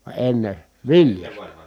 vaan ennen viljasta